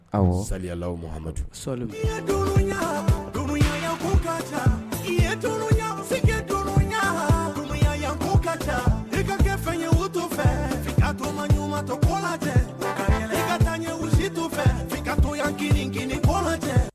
Ɔ salawhamadu sa i ye duuru ɲa duguyanku ka ca i yetulu ɲamu duuru ɲa duguaakumau ka ca i ka kɛ fɛn ye wotu fɛ ka toma ɲuman to la cɛ ka tan ɲɛ wusitu fɛ ka toyank kininko la